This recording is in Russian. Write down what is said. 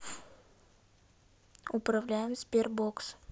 управляем sberbox